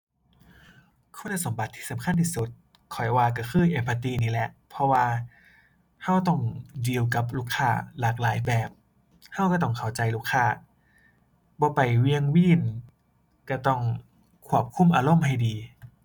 คุณสมบัติที่สำคัญที่สุดข้อยว่าก็คือ empathy นี่แหละ เพราะว่าก็ต้องดิวกับลูกค้าหลากหลายแบบก็ก็ต้องเข้าใจลูกค้า บ่ไปเหวี่ยงวีน ก็ต้องควบคุมอารมณ์ให้ดี